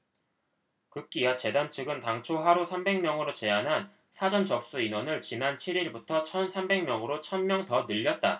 급기야 재단 측은 당초 하루 삼백 명으로 제한한 사전 접수 인원을 지난 칠 일부터 천 삼백 명으로 천 명 더 늘렸다